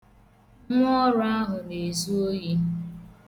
Nwọọrụ ahụ na-ezu ohi.